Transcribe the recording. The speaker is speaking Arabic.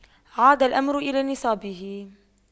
عاد الأمر إلى نصابه